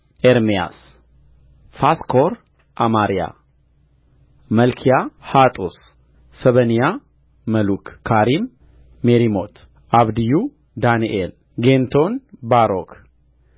ኤርምያስ ፋስኮር አማርያ መልክያ ሐጡስ ሰበንያ መሉክ ካሪም ሜሪሞት አብድዩ ዳንኤል ጌንቶን ባሮክ